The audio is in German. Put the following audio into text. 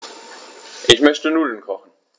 Ich möchte Nudeln kochen.